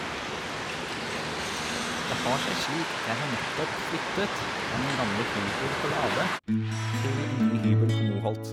Det har seg slik at jeg har nettopp flyttet, fra min gamle hybel på Lade til en ny hybel på Moholt.